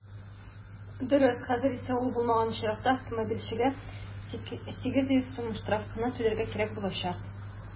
Дөрес, хәзер исә ул булмаган очракта автомобильчегә 800 сум штраф кына түләргә кирәк булачак.